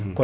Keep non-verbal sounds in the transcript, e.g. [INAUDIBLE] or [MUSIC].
[HESITATION] [HESITATION]